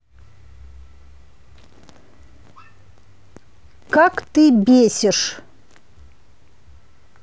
как ты бесишь